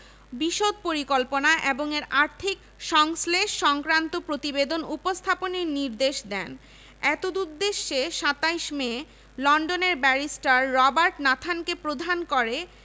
বিশদ পরিকল্পনা এবং এর আর্থিক সংশ্লেষ সংক্রান্ত প্রতিবেদন উপস্থাপনের নির্দেশ দেন এতদুদ্দেশ্যে ২৭ মে লন্ডনের ব্যারিস্টার রবার্ট নাথানকে প্রধান করে